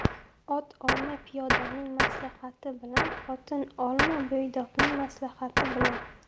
ot olma piyodaning maslahati bilan xotin olma bo'ydoqning maslahati bilan